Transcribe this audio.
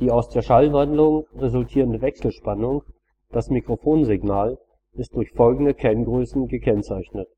aus der Schallwandlung resultierende Wechselspannung, das Mikrofonsignal, ist durch folgende Kenngrößen gekennzeichnet